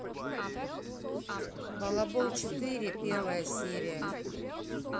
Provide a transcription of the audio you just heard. балабол четыре первая серия